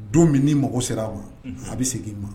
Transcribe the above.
Don min n'i mago ser'a ma unhun a bi segin i ma